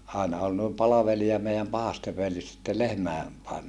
aina oli noin palvelija meidän pahasten följyssä sitten lehmien paimenessa